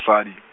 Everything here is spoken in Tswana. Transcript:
sadi.